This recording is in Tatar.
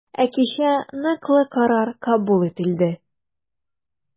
Ә кичә ныклы карар кабул ителде.